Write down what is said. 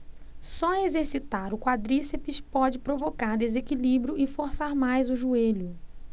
só exercitar o quadríceps pode provocar desequilíbrio e forçar mais o joelho